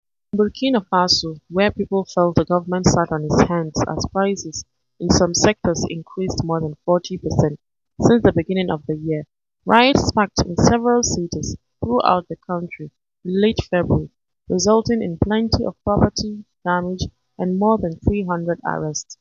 In Burkina Faso, where people felt the government sat on its hands as prices in some sectors increased more than 40% since the beginning of the year, riots sparked in several cities throughout the country in late February, resulting in plenty of property damage and more than 300 arrests.